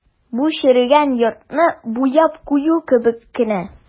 Бу черегән йортны буяп кую кебек кенә.